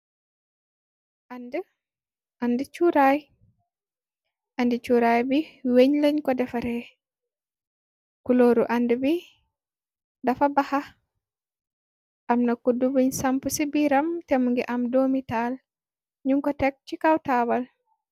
andi curaay bi weñ lañ ko defaree kulooru ànd bi dafa baxax amna kudd buñ samp ci biiram te mu ngi am doomitaal ñum ko tekk ci kawtaawal.